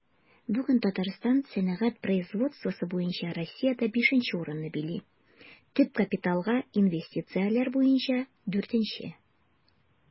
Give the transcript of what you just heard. Бүген Татарстан сәнәгать производствосы буенча Россиядә 5 нче урынны били, төп капиталга инвестицияләр буенча 4 нче.